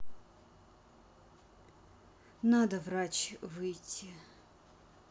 надо врач выйти